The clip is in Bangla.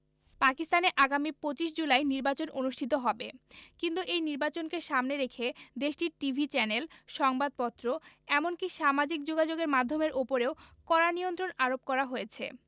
পাকিস্তানে আগামী ২৫ জুলাই নির্বাচন অনুষ্ঠিত হবে কিন্তু এই নির্বাচনকে সামনে রেখে দেশটির টিভি চ্যানেল সংবাদপত্র এমনকি সামাজিক যোগাযোগের মাধ্যমের উপরেও কড়া নিয়ন্ত্রণ আরোপ করা হয়েছে